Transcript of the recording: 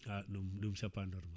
a ɗum ɗum c' est pas normale